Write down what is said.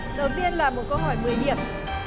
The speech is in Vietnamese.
đầu tiên là một câu hỏi mười điểm